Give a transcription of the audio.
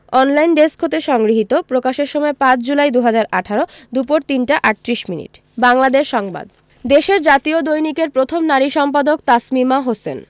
online desk হতে সংগৃহীত প্রকাশের সময় ৫ জুলাই ২০১৮ দুপুর ৩টা ৩৮ মিনিট বাংলাদেশ সংবাদ দেশের জাতীয় দৈনিকের প্রথম নারী সম্পাদক তাসমিমা হোসেন